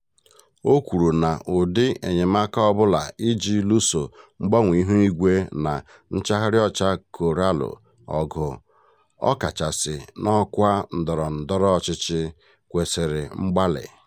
O kwuru na ụdị enyemaaka ọbụla iji lụso mgbanwe ihuigwe na nchagharị ọcha Koraalụ ọgụ, ọkachasị n'ọkwa ndọrọndọrọ ọchịchị, ""kwesịrị mgbalị""